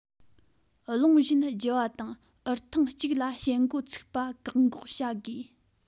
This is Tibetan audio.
རླུང བཞིན རྒྱུ བ དང འུར ཐེངས གཅིག ལ བྱེད འགོ ཚུགས པ བཀག འགོག བྱ དགོས